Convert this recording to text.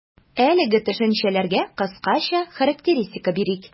Әлеге төшенчәләргә кыскача характеристика бирик.